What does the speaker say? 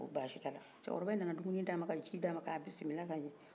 a ko basitɛ ala cɛkɔrɔ nana dumuni d'a ma ka ji d'a ma ka ji d'a ma ka bisimila kaɲɔ